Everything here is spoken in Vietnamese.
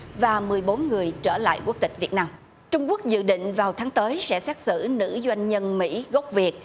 và mười bốn người trở lại quốc tịch việt nam trung quốc dự định vào tháng tới sẽ xét xử nữ doanh nhân mỹ gốc việt